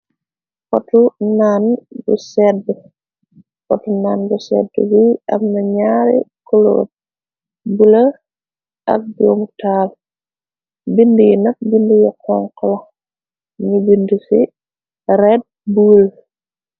Poti naan bu sedd, poti naan bu sedd bi am na ñaari kuloor, bula ak domutaal, binde yi nak binde yu xonxu la, nyu binde ci red buul.